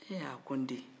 ee a ko n den